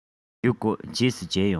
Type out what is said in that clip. བཞུགས དགོས རྗེས སུ མཇལ ཡོང